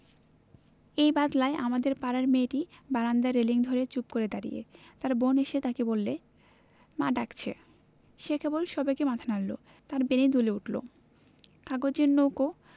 এই বাদলায় আমাদের পাড়ার মেয়েটি বারান্দায় রেলিঙ ধরে চুপ করে দাঁড়িয়ে তার বোন এসে তাকে বললে মা ডাকছে সে কেবল সবেগে মাথা নাড়ল তার বেণী দুলে উঠল কাগজের নৌকো